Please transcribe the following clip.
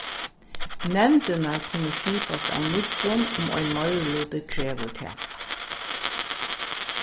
nevndirnar kunnu skipast av nýggjum um ein meiriluti krevur tað